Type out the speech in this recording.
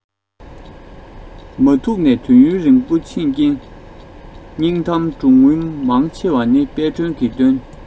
མ ཐུགས ནས དུས ཡུན རིང པོ ཕྱིན རྐྱེན སྙིང གཏམ འགྲོ དངུལ མང ཆེ བ ནི དཔལ སྒྲོན གྱི བཏོན